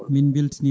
min beltanima